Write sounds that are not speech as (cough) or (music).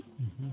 (hesitation) (hesitation)